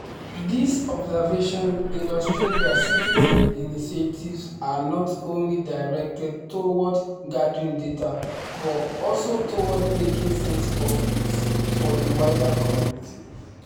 These observations illustrate that citizen initiatives are not only directed towards gathering data but also towards making sense of it for the wider community.